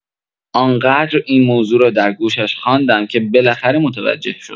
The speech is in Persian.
آن‌قدر این موضوع را در گوشش خواندم که بالاخره متوجه شد.